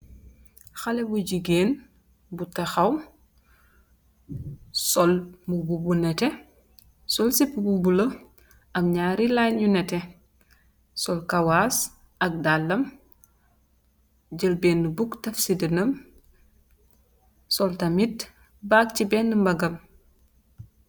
Xalèh bu jigeen bu taxaw sol mbubu bu neteh sol sipu bu bula am ñaari line yu netteh, sol kawas ak dallam jél benna buk taf ci dënam, sol tamit bag ci benna mbagam.